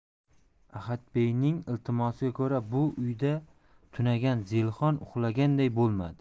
ahadbeyning iltimosiga ko'ra bu uyda tunagan zelixon uxlaganday bo'lmadi